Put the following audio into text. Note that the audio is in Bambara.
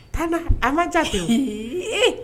An an man ja